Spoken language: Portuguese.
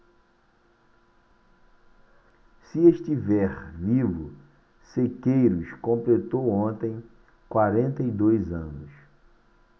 se estiver vivo sequeiros completou ontem quarenta e dois anos